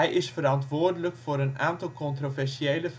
is verantwoordelijk voor een aantal (controversiële